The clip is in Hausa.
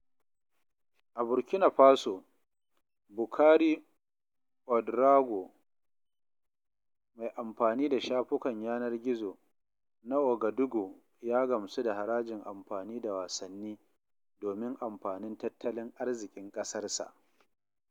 A Burkina Faso, Bboukari Ouédraogo, mai amfani da shafukan yanar gizona Ouagadougou ya gamsu da harajin amfani da wasanni domin amfanin tattalin arzikin ƙasarsa.